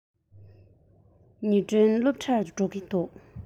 ཉི སྒྲོན སློབ གྲྭར འགྲོ གི འདུག